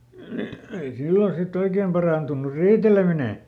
niin ei silloin sitten oikein - parantunut riiteleminen